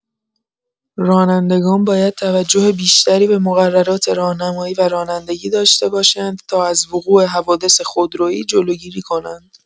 رانندگان باید توجه بیشتری به مقررات راهنمایی و رانندگی داشته باشند تا از وقوع حوادث خودروئی جلوگیری کنند.